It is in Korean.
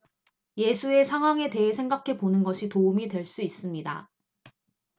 예수의 상황에 대해 생각해 보는 것이 도움이 될 수 있습니다